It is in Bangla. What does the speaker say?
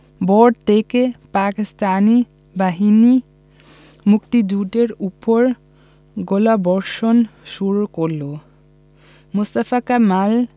ভোর থেকেই পাকিস্তানি বাহিনী মুক্তিযোদ্ধাদের উপর গোলাবর্ষণ শুরু করল মোস্তফা কামাল